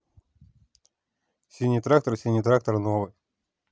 синий трактор синий трактор новый